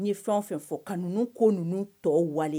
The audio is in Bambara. U ye fɛnw fɛn fɔ kanuun ko ninnu tɔ wale